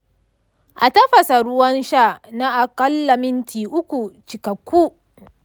a tafasa ruwan sha na akalla minti uku cikakku.